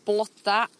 bloda